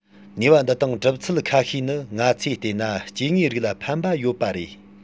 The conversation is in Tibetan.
ནུས པ འདི དང གྲུབ ཚུལ ཁ ཤས ནི ང ཚོས བལྟས ན སྐྱེ དངོས རིགས ལ ཕན པ ཡོད པ རེད